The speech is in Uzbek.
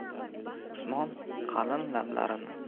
usmon qalin lablarini